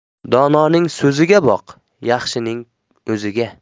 dononing so'ziga boq yaxshining o'ziga